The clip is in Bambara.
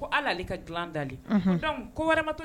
Ko hali ale ka dilan da li, unhun, ko donc ko wɛrɛ ma